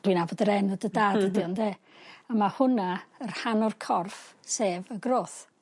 dwi'n nabod yr enw, dy dad ydi o ynde? A ma' hwnna yn rhan o'r corff sef y groth.